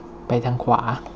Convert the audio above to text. ไปทางขวา